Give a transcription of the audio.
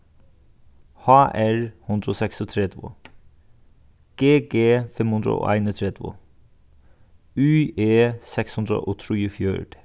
h r hundrað og seksogtretivu g g fimm hundrað og einogtretivu y e seks hundrað og trýogfjøruti